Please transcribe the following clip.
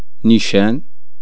نيشان